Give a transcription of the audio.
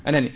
anani